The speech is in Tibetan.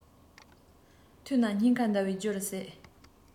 ཐོས ན སྙིང ཁ འདར བའི རྒྱུ རུ ཟད